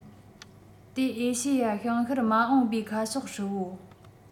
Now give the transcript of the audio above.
དེ ཨེ ཤེ ཡ བྱང ཤར མ འོངས པའི ཁ ཕྱོགས ཧྲིལ པོ